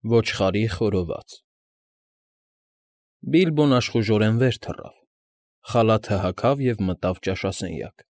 ՈՉԽԱՐԻ ԽՈՐՈՎԱԾ Բիլբոն աշխուժորեն վեր թռավ, խալաթը հագավ և մտավ ճաշասենյակ։